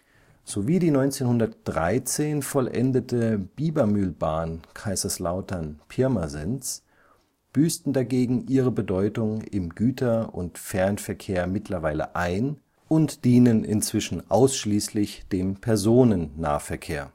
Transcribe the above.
– sowie die 1913 vollendete Biebermühlbahn Kaiserslautern – Pirmasens büßten dagegen ihre Bedeutung im Güter - und Fernverkehr mittlerweile ein und dienen inzwischen ausschließlich dem Personennahverkehr